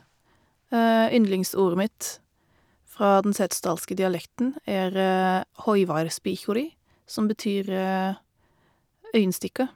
Yndlingsordet mitt fra den setesdalske dialekten er høyveirsbikåri, som betyr øyenstikker.